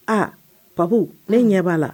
A pa ne ɲɛ b'a la